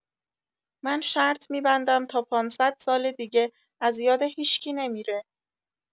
من شرط می‌بندم تا ۵۰۰ ساله دیگه از یاده هیشکی نمی‌ره